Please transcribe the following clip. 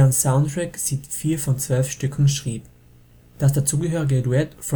Soundtrack sie vier von zwölf Stücken schrieb. Das dazugehörige Duett